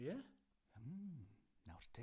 Ie? Hmm, nawr te.